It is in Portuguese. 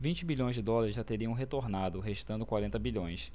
vinte bilhões de dólares já teriam retornado restando quarenta bilhões